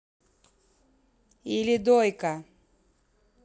lil дойка